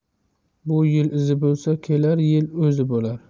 bu yil izi bo'lsa kelar yil o'zi bo'lar